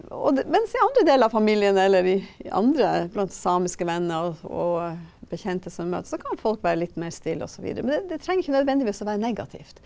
og det mens i andre deler av familien eller i i andre blant samiske venner og og bekjente som møtes så kan folk være litt mer stille og så videre, men det det trenger ikke nødvendigvis å være negativt.